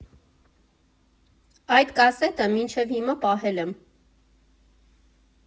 Այդ կասետը մինչև հիմա պահել եմ։